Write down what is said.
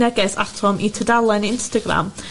neges atom i tudalen Instagram